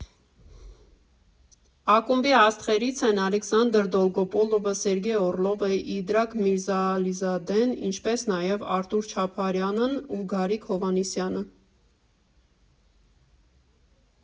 Ակումբի աստղերից են Ալեքսանդր Դոլգոպոլովը, Սերգեյ Օռլովը, Իդրակ Միրզալիզադեն, ինչպես նաև Արթուր Չապարյանն ու Գարիկ Հովհաննիսյանը։